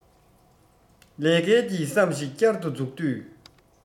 ལས སྐལ གྱི བསམ གཞིགས བསྐྱར དུ བཙུགས དུས